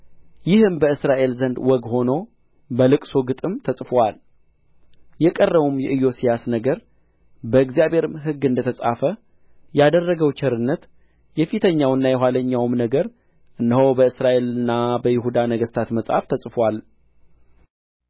ይህም በእስራኤል ዘንድ ወግ ሆኖ በልቅሶ ግጥም ተጽፎአል የቀረውም የኢዮስያስ ነገር በእግዚአብሔርም ሕግ እንደተጻፈ ያደረገው ቸርነት የፊተኛውና የኋለኛውም ነገሩ እነሆ በእስራኤልና በይሁዳ ነገሥታት መጽሐፍ ተጽፎአል